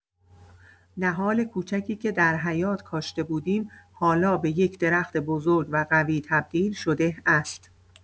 نهال کوچکی که در حیاط کاشته بودیم، حالا به یک درخت بزرگ و قوی تبدیل شده است.